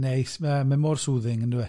Neis, mae mae mor soothing yndyfe?